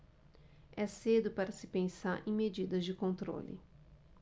é cedo para se pensar em medidas de controle